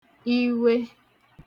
iwe